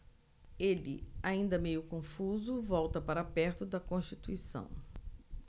ele ainda meio confuso volta para perto de constituição